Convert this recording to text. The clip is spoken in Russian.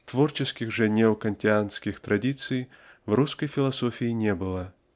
Творческих же неокантианских традиций в русской философии не было